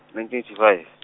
nineteen .